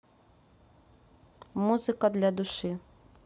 музыка для души